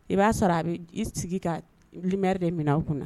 I b'a sɔrɔ a bɛ i sigi ka lumière de minɛ aw kunna